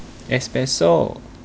เอสเปสโซ่